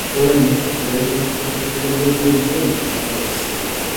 O ennill byddai Pwyll yn cael treulio blwyddyn yn yr isfyd.